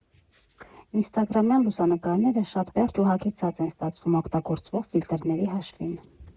Ինստագրամյան լուսանկարները շատ պերճ ու հագեցած են ստացվում օգտագործվող ֆիլտրների հաշվին։